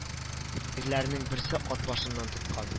Ирләрнең берсе ат башыннан тоткан